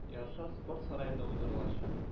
Ярышлар спорт сараенда уздырылачак